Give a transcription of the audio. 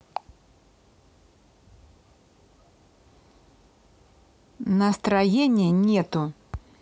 настроения нету